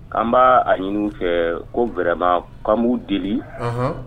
An b'a a ɲini fɛ ko bɛrɛma kan deli